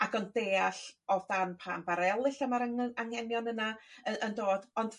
ac yn deall o dan pa ymbarel ella ma'r angly- angenion yna yy yn dod ond